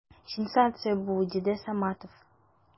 Сенсация бу! - диде Саматов.